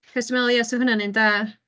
Achos dwi'n meddwl ie 'sa hwnna'n un da